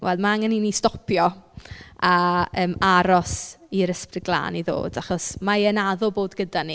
Wel ma' angen i ni stopio a yym aros i'r Ysbryd Glân i ddod achos mae e'n addo bod gyda ni.